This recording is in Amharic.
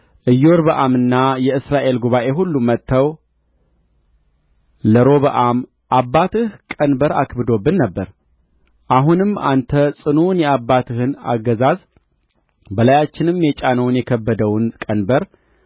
ኢዮርብዓምና የእስራኤል ጉባኤ ሁሉ መጥተው ለሮብዓም አባትህ ቀንበር አክብዶብን ነበር አሁንም አንተ ጽኑውን የአባትህን አገዛዝ በላያችንም የጫነውን የከበደውን ቀንበር